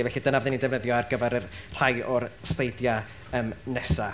Felly dyna fydden ni'n defnyddio ar gyfer yr rhai o'r sleidiau yym nesa.